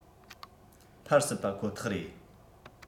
འཕར སྲིད པ ཁོ ཐག རེད